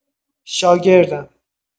شاگردم